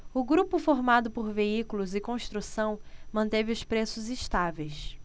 o grupo formado por veículos e construção manteve os preços estáveis